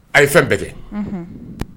A ye fɛn bɛɛ kɛ